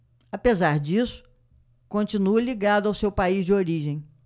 apesar disso continua ligado ao seu país de origem